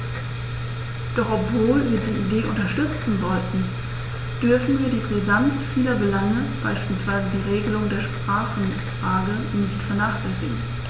Doch obwohl wir die Idee unterstützen sollten, dürfen wir die Brisanz vieler Belange, beispielsweise die Regelung der Sprachenfrage, nicht vernachlässigen.